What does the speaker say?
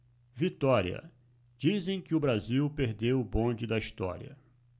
vitória dizem que o brasil perdeu o bonde da história